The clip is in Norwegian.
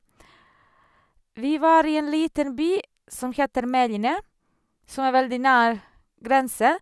Vi var i en liten by som heter Meljine, som er veldig nær grense.